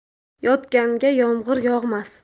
yotganga yomg'ir yog'mas